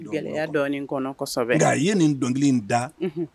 Gɛlɛya nka i ye nin dɔnkili da